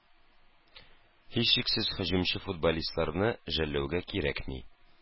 Һичшиксез һөҗүмче футболистларны жәллэүгә кирәкми.